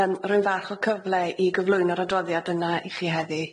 Yym rwy'n fach o cyfle i gyflwyno'r adroddiad yna i chi heddi.